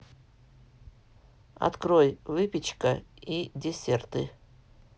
открой выпечка и десерты